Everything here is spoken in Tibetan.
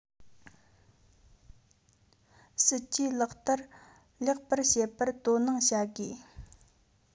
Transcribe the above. སྲིད ཇུས ལག བསྟར ལེགས པར བྱེད པར དོ སྣང བྱ དགོས